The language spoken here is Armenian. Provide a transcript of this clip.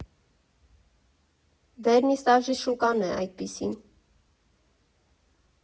Վերնիսաժի շուկան է այդպիսին։